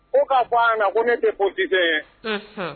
Ko k'a fɔ a ɲɛna ko ne tɛ pɔlitisiɲɛn ye, unhun.